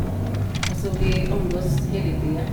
Og så vi omgås hele tida.